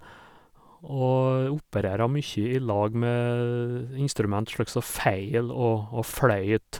Og opererer mye i lag med instrument slik som fele og og fløyte.